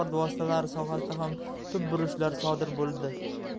axborot vositalari sohasida ham tub burilishlar sodir bo'ldi